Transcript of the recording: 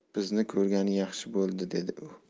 bizni ko'rgani yaxshi bo'ldi dedi u